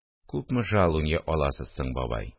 Күпме җалунья аласыз соң, бабай